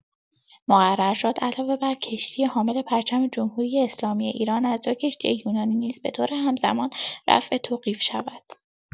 مقرر شد علاوه بر کشتی حامل پرچم جمهوری‌اسلامی ایران، از دو کشتی یونانی نیز بطور همزمان رفع توقیف شود.